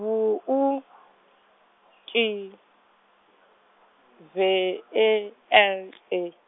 V U , K, Z E M E.